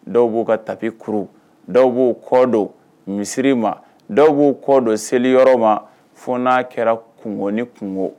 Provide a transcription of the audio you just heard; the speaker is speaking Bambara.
Dɔw b'u ka tapikuru dɔw b'u kɔ don misiri ma dɔw b'u kɔ don seli yɔrɔ ma fo n'a kɛra kunɔgɔnɔni kungo